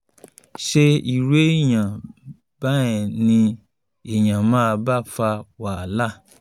Ṣé irú èèyàb bẹ́ẹ̀ yẹn ni èèyàn máa bá fa wàhálà?”